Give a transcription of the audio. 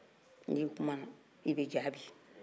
n'i kumana i bɛ jaabi